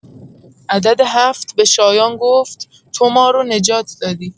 عدد ۷ به شایان گفت: «تو ما رو نجات دادی!»